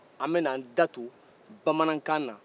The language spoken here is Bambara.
an bɛ na an da don bamanankan na